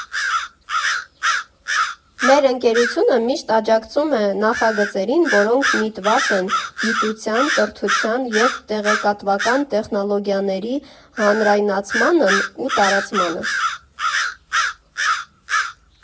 Մեր ընկերությունը միշտ աջակցում է նախագծերին, որոնք միտված են գիտության, կրթության և տեղեկատվական տեխնոլոգիաների հանրայնացմանն ու տարածմանը։